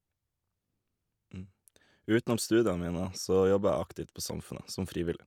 Utenom studiene mine så jobber jeg aktivt på Samfundet, som frivillig.